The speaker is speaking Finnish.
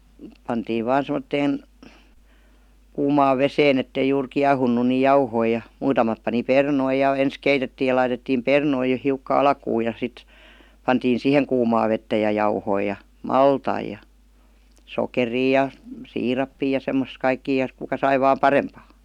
pantiin vain semmoiseen kuumaan veteen että ei juuri kiehunut niin jauhoja ja muutamat pani perunoita ja ensin keitettiin ja laitettiin perunoita jo hiukka alkuun ja sitten pantiin siihen kuumaa vettä ja jauhoja ja maltaita ja sokeria ja siirappia ja semmoisia kaikkia ja kuka sai vain parempaa